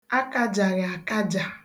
akājàghị̀àkajà